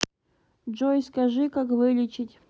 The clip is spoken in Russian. джой скажи как вылечить